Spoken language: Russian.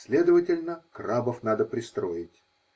Следовательно, крабов надо пристроить.